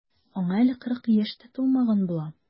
Аңа әле кырык яшь тә тулмаган була.